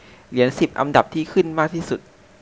เหรียญสิบอันดับที่ขึ้นมากที่สุด